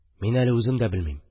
Мин әле үзем дә белмим..